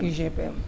UGPM